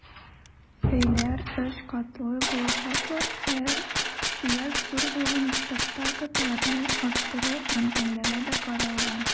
Өйләр өч катлы булачаклар, хәер, ихтыяҗ зур булган очракта, катларны арттыру мөмкинлеге дә каралган.